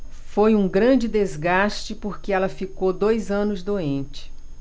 foi um grande desgaste porque ela ficou dois anos doente